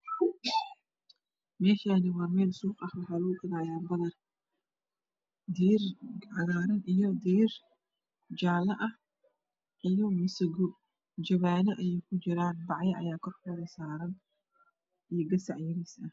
Meshani waa mel suuq ah waxa lugu gadayaa badar diir xagaran io diir jale ah io masego jawano ayey kujiran baco aya kurka kasaran